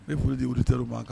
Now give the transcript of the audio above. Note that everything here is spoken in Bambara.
N b foli di auditeurs ma